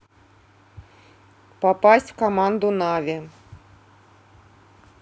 попасть в команду navi